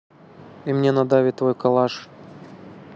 и мне надавит твой коллаж